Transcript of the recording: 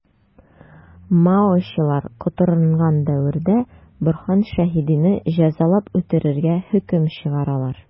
Маочылар котырынган дәвердә Борһан Шәһидине җәзалап үтерергә хөкем чыгаралар.